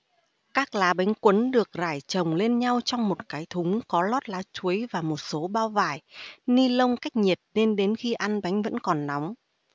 các lá bánh cuốn được rải chồng lên nhau trong một cái thúng có lót lá chuối và một số bao vải ni lông cách nhiệt nên đến khi ăn bánh vẫn còn nóng